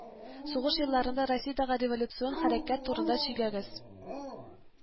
Сугыш елларында Россиядәге революцион хәрәкәт турында сөйләгез